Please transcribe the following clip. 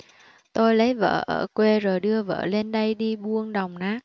tôi lấy vợ ở quê rồi đưa vợ lên đây đi buôn đồng nát